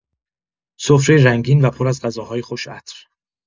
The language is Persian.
سفره رنگین و پر از غذاهای خوش‌عطر